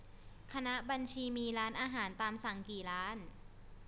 คณะบัญชีมีร้านอาหารตามสั่งกี่ร้าน